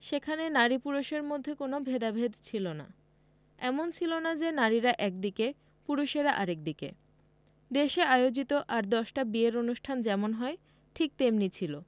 সেখানে নারী পুরুষের মধ্যে কোনো ভেদাভেদ ছিল না এমন ছিল না যে নারীরা একদিকে পুরুষেরা আরেক দিকে দেশে আয়োজিত আর দশটা বিয়ের অনুষ্ঠান যেমন হয় ঠিক তেমনি ছিল